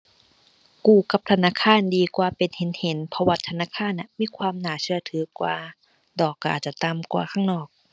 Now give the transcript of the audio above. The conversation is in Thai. กู้กับธนาคารดีกว่าเป็นเห็นเห็น เพราะว่าธนาคารน่ะมีความน่าเชื่อถือกว่า ดอกก็อาจจะต่ำกว่าข้างนอก